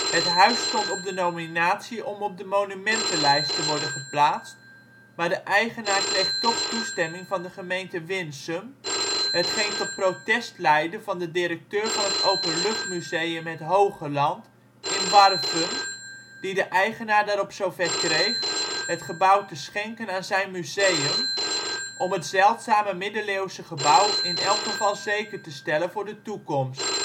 Het huis stond op de nominatie om op de monumentenlijst te worden geplaatst, maar de eigenaar kreeg toch toestemming van de gemeente Winsum, hetgeen tot protest leidde van de directeur van het Openluchtmuseum Het Hoogeland in Warffum die de eigenaar daarop zo ver kreeg het gebouw te schenken aan zijn museum om het zeldzame middeleeuwse gebouw in elk geval zeker te stellen voor de toekomst